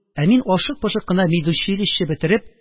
Ә мин ашык-пошык кына медучилище бетереп,